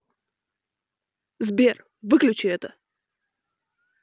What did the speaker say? сбер выключи это